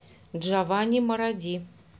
джаванни маради